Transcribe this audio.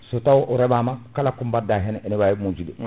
so o reemama kala ko baɗa hen ene wawi moƴƴude